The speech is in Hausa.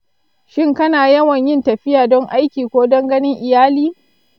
shin kana yawan yin tafiya don aiki ko don ganin iyali?